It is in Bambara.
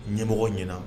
Ɲɛmɔgɔ ɲɛna